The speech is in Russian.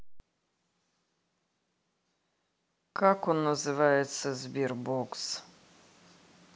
как он называется sberbox